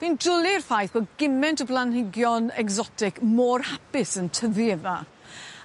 Fi'n jwli'r ffaith fo' giment o blanhigion egsotic mor hapus yn tyfu yma.